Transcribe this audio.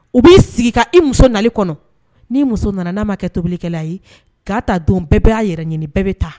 U b'i sigi ka i muso na kɔnɔ ni muso nana n'a ma kɛ tobilikɛla a ye k'a ta don bɛɛ b y'a yɛrɛ ɲini bɛɛ bɛ taa